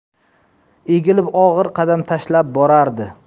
egilib og'ir qadam tashlab borardi